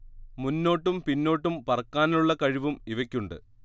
മുന്നോട്ടും പിന്നോട്ടും പറക്കാനുള്ള കഴിവും ഇവയ്ക്കുണ്ട്